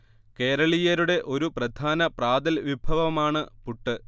കേരളീയരുടെ ഒരു പ്രധാന പ്രാതൽ വിഭവമാണ് പുട്ട്